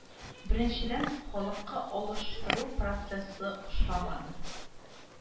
Беренчедән, халыкка алыштыру процессы ошамады